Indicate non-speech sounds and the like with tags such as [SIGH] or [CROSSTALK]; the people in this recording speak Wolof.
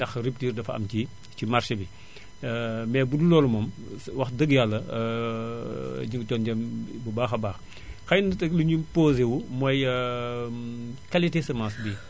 ndax rupture dafa am ci ci marché bi [INHALES] [HESITATION] mais budul loolu moom wax dëgg Yàlla [HESITATION] jiwu toon nañu bu baax a baax [INHALES] xëy na tamit li ñu posé wu mooy [HESITATION] qualité semence bi [BREATH]